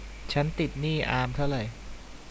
ฉันติดหนี้อามเท่าไร